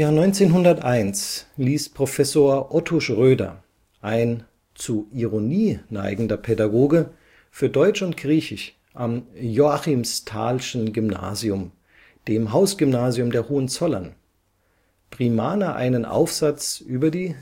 1901 ließ Professor Otto Schroeder, ein „ zu Ironie neigender Pädagoge “für Deutsch und Griechisch am Joachimsthalschen Gymnasium, dem Hausgymnasium der Hohenzollern, Primaner einen Aufsatz über die